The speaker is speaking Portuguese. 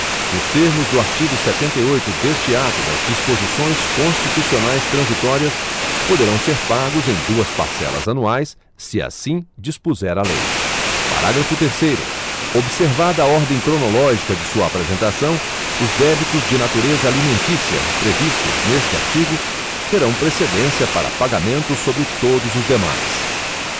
nos termos do artigo setenta e oito deste ato das disposições constitucionais transitórias poderão ser pagos em duas parcelas anuais se assim dispuser a lei parágrafo terceiro observada a ordem cronológica de sua apresentação os débitos de natureza alimentícia previstos neste artigo terão precedência para pagamento sobre todos os demais